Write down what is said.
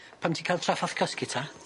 Pam ti ca'l traffarth cysgu ta?